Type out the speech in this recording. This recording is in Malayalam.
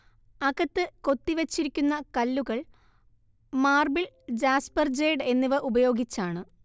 അകത്ത് കൊത്തി വച്ചിരിക്കുന്ന കല്ലുകൾ മാർബിൾ ജാസ്പർ ജേഡ് എന്നിവ ഉപയോഗിച്ചാണ്